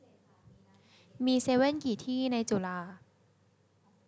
มีเซเว่นกี่ที่ในจุฬา